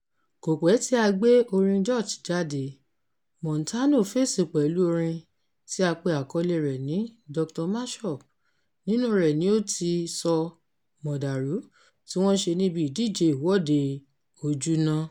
Kò pẹ́ tí a gbé orin George jáde, Montano fèsì pẹ̀lú orin tí a pe àkọlée rẹ̀ ní "Dr. Mashup", nínúu rẹ̀ ni ó ti sọ màdàrú tí wọ́n ṣe níbi ìdíje Ìwọ́de Ojúná: